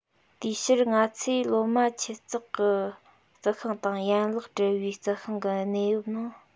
དེའི ཕྱིར ང ཚོས ལོ མ འཁྱུད འཛེག གི རྩི ཤིང དང ཡན ལག གྲིལ བའི རྩི ཤིང གི གནས བབ ནང